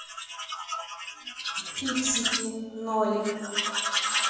фиксики нолик